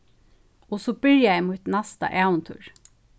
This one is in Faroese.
og so byrjaði mítt næsta ævintýr